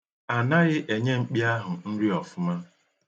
A naghị enye mkpi ahụ nri ọfụma.